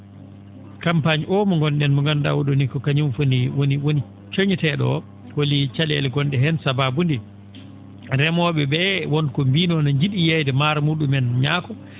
campagne oo mo ngon?en mo ngandu?aa oo ?oo nii ko kañum foni woni woni coñetee?o oo holi ca?eele ngon?e heen sabaabu nde remoo?e ?ee wonko mbiinoo no nji?i yeeyde maaro mu?um en ñaako